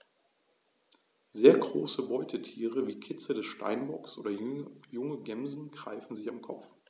Sehr große Beutetiere wie Kitze des Steinbocks oder junge Gämsen greifen sie am Kopf.